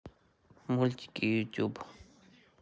мультики ютюб